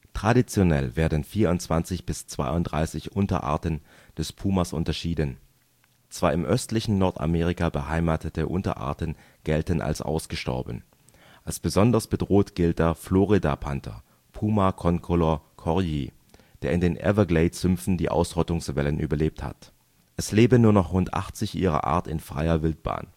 Traditionell werden 24 bis 32 Unterarten des Pumas unterschieden. Zwei im östlichen Nordamerika beheimatete Unterarten gelten als ausgestorben. Als besonders bedroht gilt der Florida-Panther (P. c. coryi), der in den Everglades-Sümpfen die Ausrottungswellen überlebt hat. Es leben nur noch rund 80 ihrer Art in freier Wildbahn